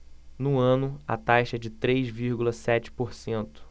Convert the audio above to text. no ano a taxa é de três vírgula sete por cento